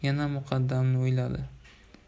yana muqaddamni o'yladi